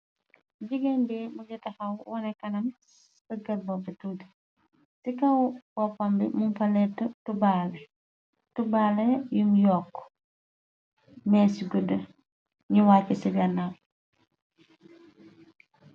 Jigéndee munge taxaw wone kanam bëggat boppe tuuti ci kaw woppam bi mum palet tubaale yum yokk mee ci gudda ñu wàcce ci gannaw.